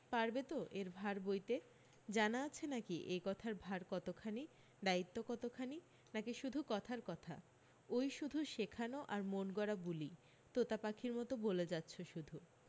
পারবে তো এর ভার বৈতে জানা আছে নাকি এই কথার ভার কতখানি দায়িত্ব কতখানি নাকি শুধু কথার কথা অই শধু শেখানো আর মনগড়া বুলি তোতাপাখির মত বলে যাচ্ছ শুধু